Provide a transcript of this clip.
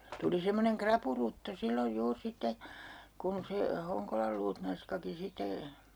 tuli semmoinen rapurutto silloin juuri sitten kun se Honkolan luutnanskakin sitten